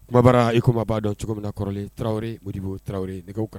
Kumabara ikoma b'a dɔn cogo min na kɔrɔlen tarawelerawre mubo taraweleraw nɛgɛ kan